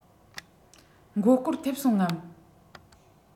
མགོ སྐོར ཐེབས སོང ངམ